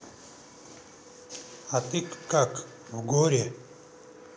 а ты как в горе